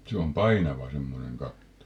se on painava semmoinen katto